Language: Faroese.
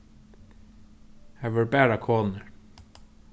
har vóru bara konur